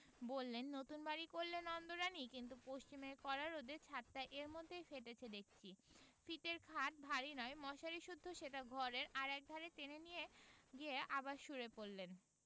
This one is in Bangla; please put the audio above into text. বললেন নতুন বাড়ি করলে নন্দরানী কিন্তু পশ্চিমের কড়া রোদে ছাতটা এর মধ্যেই ফেটেচে দেখচি ফিতের খাট ভারী নয় মশারি সুদ্ধ সেটা ঘরের আর একধারে টেনে নিয়ে গিয়ে আবার শুয়ে পড়লেন